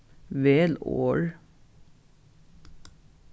vel orð